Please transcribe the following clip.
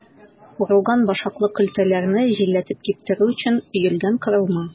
Урылган башаклы көлтәләрне җилләтеп киптерү өчен өелгән корылма.